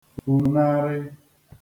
fùnarị